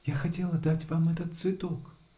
-- Я хотела дать вам этот цветок.